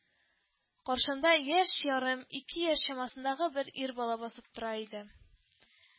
Каршымда яшь ярым-ике яшь чамасындагы бер ир бала басып тора иде